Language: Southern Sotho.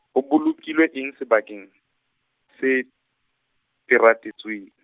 ho bolokilwe eng sebakeng, se, teratetsweng.